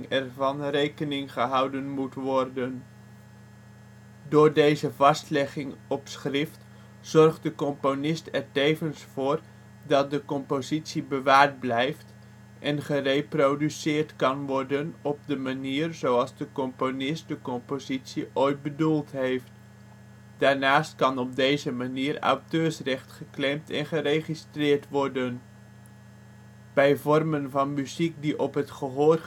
ervan rekening gehouden moet worden. Door deze vastlegging op schrift zorgt de componist er tevens voor dat de compositie bewaard blijft en gereproduceerd kan worden op de manier zoals de componist de compositie ooit bedoeld heeft. Daarnaast kan op deze manier auteursrecht geclaimd en geregistreerd worden. Bij vormen van muziek die op het gehoor